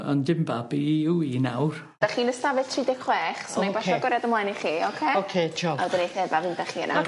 ...ond dim babi yw 'i nawr. 'Dach chi'n ystafell tri deg chwech... Oce. ...so 'nai basio goriad ymlaen i chi oce? Oce diolch. A wedyn 'ny lle fan 'dach chi yna.